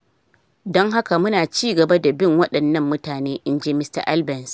Don haka mu na ci gaba da bin wadannan mutane, "in ji Mr. Albence.